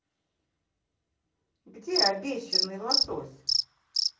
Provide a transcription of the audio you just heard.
где обещанный лосось